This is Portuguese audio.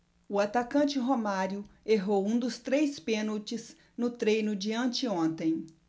o atacante romário errou um dos três pênaltis no treino de anteontem